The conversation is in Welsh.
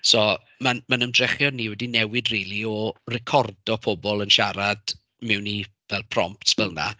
So ma'n ma'n ymdrechion ni wedi newid rili o recordo pobl yn siarad mewn i fel prompts fel 'na.